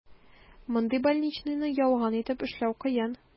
Мондый больничныйны ялган итеп эшләү кыен.